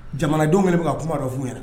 Jamanadenw kɛlen bɛ ka kuma dɔ f'u ɲɛna